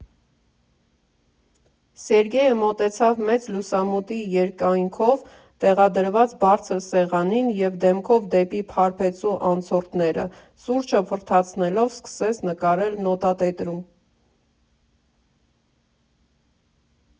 Սերգեյը մոտեցավ մեծ լուսամուտի երկայնքով տեղադրված բարձր սեղանին և դեմքով դեպի Փարպեցու անցորդները՝ սուրճը ֆռթացնելով սկսեց նկարել նոթատետրում։